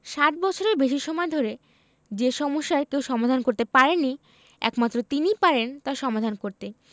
৬০ বছরের বেশি সময় ধরে যে সমস্যার কেউ সমাধান করতে পারেনি একমাত্র তিনিই পারেন তার সমাধান করতে